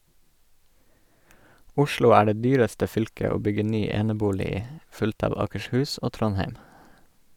Oslo er det dyreste fylket å bygge ny enebolig i, fulgt av Akershus og Trondheim.